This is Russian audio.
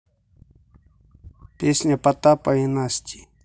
песня потапа и насти